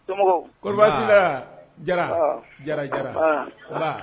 Ko wagati jara jara jara